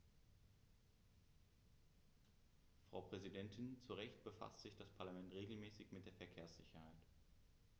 Frau Präsidentin, zu Recht befasst sich das Parlament regelmäßig mit der Verkehrssicherheit.